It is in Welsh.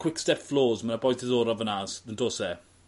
Quick-step Floors ma' bois diddorol fan 'na s- on'd o's e?